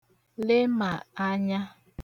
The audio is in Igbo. lemà anya